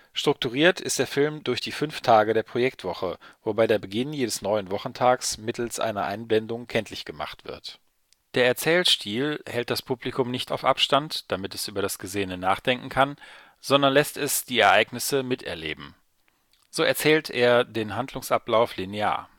Strukturiert ist der Film durch die fünf Tage der Projektwoche, wobei der Beginn jedes neuen Wochentags mittels einer Einblendung kenntlich gemacht wird. Der Erzählstil hält das Publikum nicht auf Abstand, damit es über das Gesehene nachdenken kann, sondern lässt es die Ereignisse miterleben. So erzählt er den Handlungsablauf linear